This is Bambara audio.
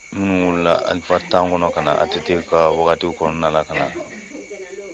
Alifa tan kɔnɔ ka na a tɛ ka wagati kɔnɔna ka na